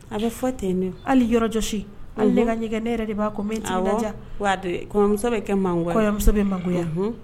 A bɛ fɔ ten hali yɔrɔjɔsi ale ka ɲɛgɛn ne yɛrɛ de b'a bɛ kɛ mako